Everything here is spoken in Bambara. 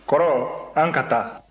kɔrɔ an ka taa